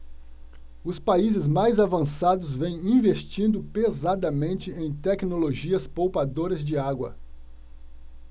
os países mais avançados vêm investindo pesadamente em tecnologias poupadoras de água